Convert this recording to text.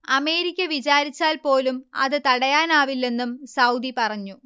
America വിചാരിച്ചാൽ പോലും അതു തടയാനാവില്ലെന്നും സൗദി പറഞ്ഞു